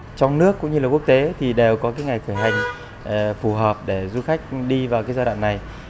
trong nước cũng như là quốc tế thì đều có cái ngày khởi hành phù hợp để du khách đi vào giai đoạn này